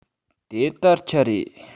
དེ དར ཆ རེད